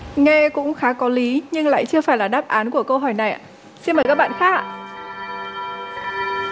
nghe cũng khá có lí nhưng lại chưa phải là đáp án của câu hỏi này ạ xin mời các bạn khác ạ